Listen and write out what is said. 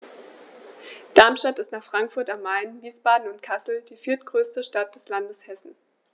Darmstadt ist nach Frankfurt am Main, Wiesbaden und Kassel die viertgrößte Stadt des Landes Hessen